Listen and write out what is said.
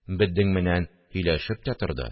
Беддең менән һөйләшеп тә тордо